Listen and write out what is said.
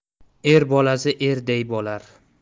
er bolasi erday bo'lar